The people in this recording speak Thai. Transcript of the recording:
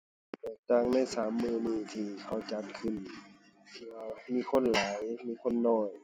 แตกต่างในสามมื้อนี้ที่เขาจัดขึ้น ที่ว่ามีคนหลาย มีคนน้อย